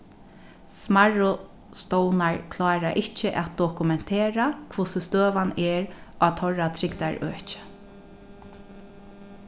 smærru stovnar klára ikki at dokumentera hvussu støðan er á teirra trygdarøki